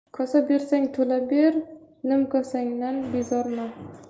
kosa bersang to'la ber nimkosangdan bezorman